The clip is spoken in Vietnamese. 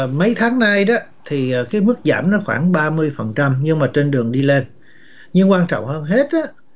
mấy tháng nay đó thì cái mức giảm nó khoảng ba mươi phần trăm nhưng mà trên đường đi lên nhưng quan trọng hơn hết á